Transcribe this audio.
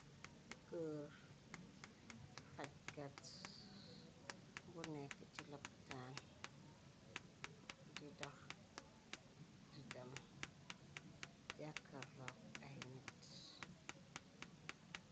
Gër fajgat bu nekk ci lapataan di dax di dem jakkal rokk ay nit.